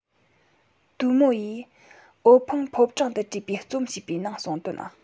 ཏུའུ མུའུ ཡིས ཨོ ཕང ཕོ བྲང དུ བྲིས པའི རྩོམ ཞེས པའི ནང གསུངས དོན